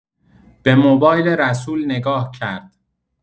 به موبایل رسول نگاه کرد.